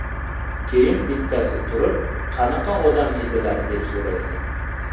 keyin bittasi turib qanaqa odam edilar deb so'raydi